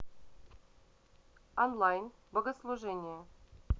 онлайн богослужение